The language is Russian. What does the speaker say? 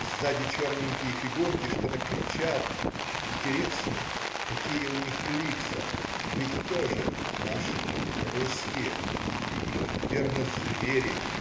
Сзади черненькие фигурки что-то кричат. интересно, какие у них лица. Ведь тоже - наши, русские. наверно, звери.